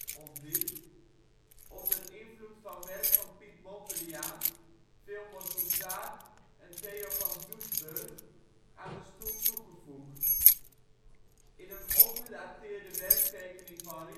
ontwierp, onder invloed van werk van Piet Mondriaan, Vilmos Huszár en Theo van Doesburg, aan de stoel toegevoegd. In een ongedateerde werktekening van